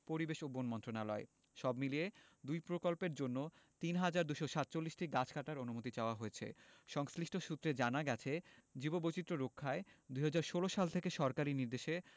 পরিবেশ ও বন মন্ত্রণালয় সবমিলিয়ে দুই প্রকল্পের জন্য ৩হাজার ২৪৭টি গাছ কাটার অনুমতি চাওয়া হয়েছে সংশ্লিষ্ট সূত্রে জানা গেছে জীববৈচিত্র্য রক্ষায় ২০১৬ সাল থেকে সরকারি নির্দেশে